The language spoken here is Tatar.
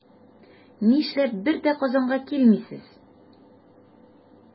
Нишләп бер дә Казанга килмисез?